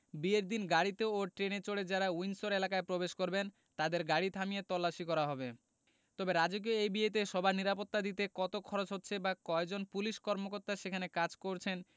বিয়ের দিন গাড়িতে ও ট্রেনে চড়ে যাঁরা উইন্ডসর এলাকায় প্রবেশ করবেন তাঁদের গাড়ি থামিয়ে তল্লাশি করা হবে তবে রাজকীয় এই বিয়েতে সবার নিরাপত্তা দিতে কত খরচ হচ্ছে বা কয়জন পুলিশ কর্মকর্তা সেখানে কাজ করছেন